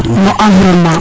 no environnement